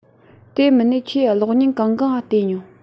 དེ མིན ནས ཁྱོས གློག བརྙན གང གང ང བལྟས མྱོང